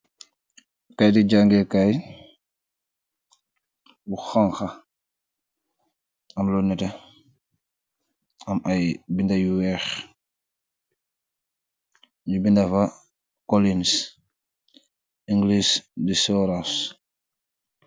Keiti jaangeh kaii bu honha, am lu nehteh, am aiiy binda yu wekh, nju binda fa collins english the sorrows.